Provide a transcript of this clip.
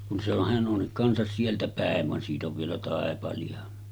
kun se on hän on kanssa sieltä päin vaan siitä on vielä taipaleita